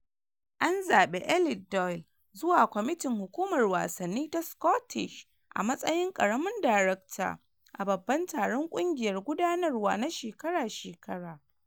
An zabi Eilidh Doyle zuwa kwamitin hukumar wasanni ta Scottish a matsayin karamin darekta a babban taron kungiyar gudanarwa na shekara-shekara.